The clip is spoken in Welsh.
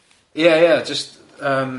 Ia ia jyst yym...